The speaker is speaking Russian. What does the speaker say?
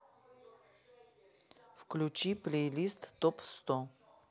включи плейлист топ сто